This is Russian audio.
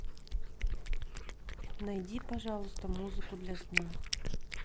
найди пожалуйста музыку для сна